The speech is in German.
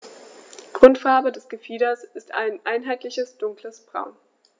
Grundfarbe des Gefieders ist ein einheitliches dunkles Braun.